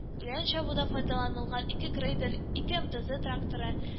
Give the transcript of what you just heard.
Үлән чабуда файдаланылган ике грейдер, ике “мтз” тракторы